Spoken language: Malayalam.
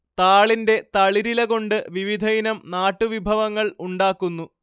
താളിന്റെ തളിരിലകൊണ്ട് വിവിധയിനം നാട്ടുവിഭവങ്ങൾ ഉണ്ടാക്കുന്നു